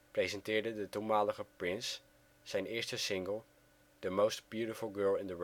presenteerde de toenmalige Prince zijn eerste single The Most Beautiful Girl in the World